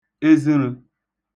ezəṙə̄